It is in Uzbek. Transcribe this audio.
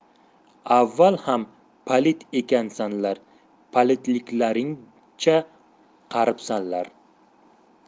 avval ham palid ekansanlar palidliklaringcha qaribsanlar